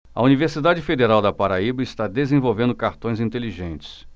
a universidade federal da paraíba está desenvolvendo cartões inteligentes